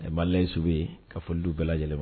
ka fɔli d'u bɛɛ lajɛlen ma.